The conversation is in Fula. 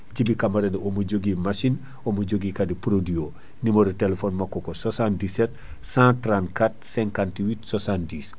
Djiby Camara ne omo joogui machine omo joogui kaadi produit o numéro téléphone makko ko 77 134 58 70